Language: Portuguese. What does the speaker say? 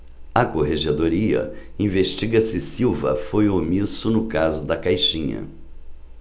a corregedoria investiga se silva foi omisso no caso da caixinha